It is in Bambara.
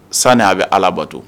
Sanini a bɛ alabato